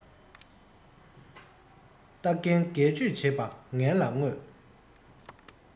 རྟ རྒན སྒལ བཅོས བྱེད པ ངན ལ མངོན